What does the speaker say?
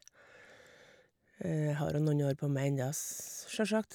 Jeg har jo noen år på meg enda, s sjølsagt.